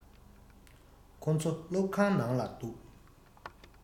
ཁོ ཚོ སློབ ཁང ནང ལ འདུག